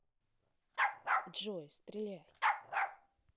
джой стреляй